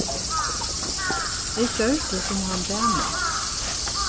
eg gjørdi sum hann bað meg